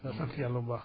nga sant Yàlla bu baax